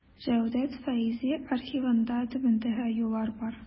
Җәүдәт Фәйзи архивында түбәндәге юллар бар.